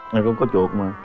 em vẫn có chuột mà